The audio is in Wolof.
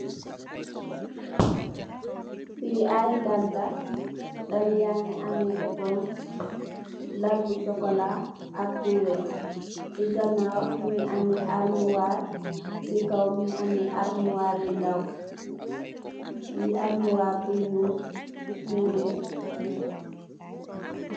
Fii aiiy lal la, lal yangy ameh aiiy ehponse, lal bu chocolat ak bu wekh, cii ganaw mungy ameh armoire, cii kaw mungy ameh armoire yu ndaw, lii armoire bu njull mungy ameh...